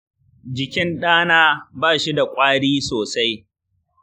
jikin ɗana ba shi da kwari sosai.